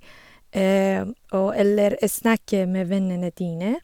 og Eller snakke med vennene dine.